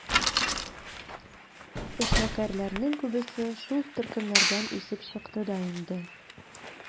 Эшмәкәрләрнең күбесе шул төркемнәрдән үсеп чыкты да инде.